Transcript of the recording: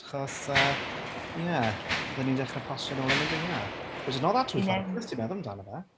Achos yy, ie. Byddwn ni'n dechrau postio nôl yn y gaeaf. Which is not that too far, os ti'n meddwl amdano fe.